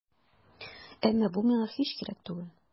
Әмма бу миңа һич кирәк түгел.